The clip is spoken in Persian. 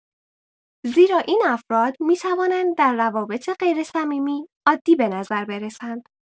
زیرا این افراد می‌توانند در روابط غیرصمیمی عادی به نظر برسند.